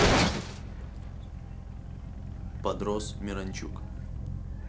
подрос миранчук